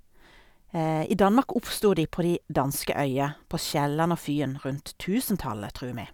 I Danmark oppstod de på de danske øyer, på Sjælland og Fyn, rundt tusentallet, tror vi.